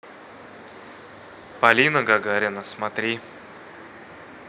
полина гагарина смотри